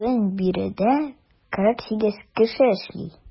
Бүген биредә 48 кеше эшли.